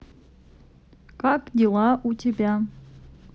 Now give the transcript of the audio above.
как дела у тебя